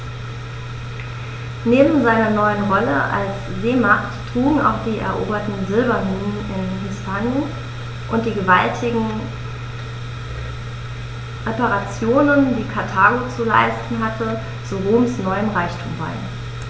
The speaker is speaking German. Neben seiner neuen Rolle als Seemacht trugen auch die eroberten Silberminen in Hispanien und die gewaltigen Reparationen, die Karthago zu leisten hatte, zu Roms neuem Reichtum bei.